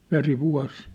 veri vuosi